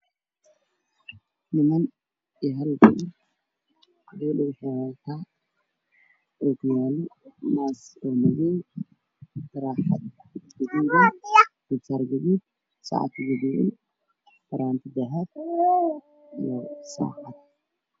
Waa hool waxaa fadhiya niman iyo naago naarto waxa ay wadataa taro xad guduudan gabasaare geysan nimanka waxyabaha in shaatiyo cadaan